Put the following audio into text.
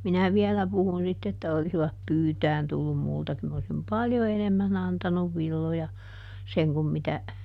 minä vielä puhun sitten että olisivat pyytämään tullut minulta kyllä minä olisin paljon enemmän antanut villoja sen kun mitä